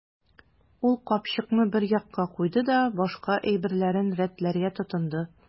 Ул капчыкны бер якка куйды да башка әйберләрен рәтләргә тотынды.